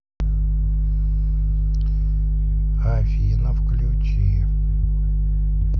афина включи